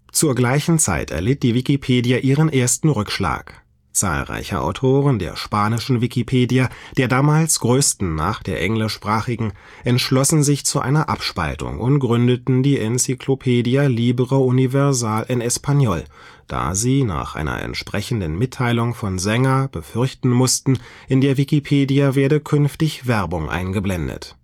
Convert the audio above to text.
Zur gleichen Zeit erlitt die Wikipedia ihren ersten Rückschlag. Zahlreiche Autoren der spanischen Wikipedia, der damals größten nach der englischsprachigen, entschlossen sich zu einer Abspaltung und gründeten die Enciclopedia Libre Universal en Español, da sie, nach einer entsprechenden Mitteilung von Sanger, befürchten mussten, in der Wikipedia werde künftig Werbung eingeblendet